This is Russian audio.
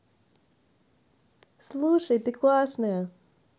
слушай ты классная